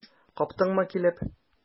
Каптыңмы килеп?